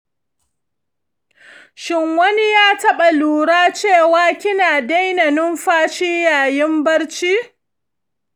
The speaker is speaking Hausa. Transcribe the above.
shin wani ya taɓa lura cewa kina daina numfashi yayin barci?